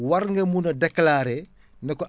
war nga délclarer ne ko